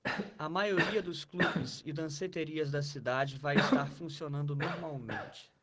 a maioria dos clubes e danceterias da cidade vai estar funcionando normalmente